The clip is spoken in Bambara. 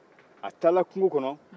a taara kungo kɔnɔ